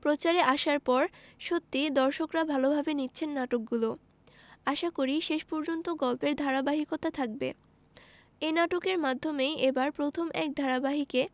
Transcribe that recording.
প্রচারে আসার পর সত্যিই দর্শকরা ভালোভাবে নিচ্ছেন নাটকগুলো আশাকরি শেষ পর্যন্ত গল্পের ধারাবাহিকতা থাকবে এ নাটকের মাধ্যমেই এবারই প্রথম এক ধারাবাহিকে